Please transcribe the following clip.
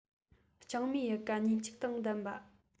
ལྕང མའི ཡལ ག མཉེན ལྕུག དང ལྡན པ